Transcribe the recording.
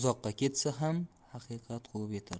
ham haqiqat quvib yetar